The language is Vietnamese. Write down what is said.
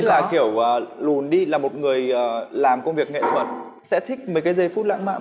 nghĩ là kiểu lùn đi là một người làm công việc nghệ thuật sẽ thích mấy cái giây phút lãng mạn